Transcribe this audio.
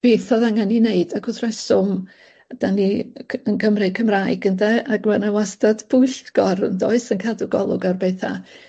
Beth o'dd angen 'i neud, ac wrth reswm 'dan ni y' c- yn Cymry Cymraeg ynde, ac ma' 'na wastad pwyllgor yndoes yn cadw golwg ar betha